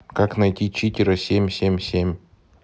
как найти читера семь семь семь